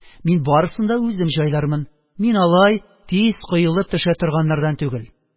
Мин барысын да үзем җайлармын, мин алай тиз коелып төшә торганнардан түгел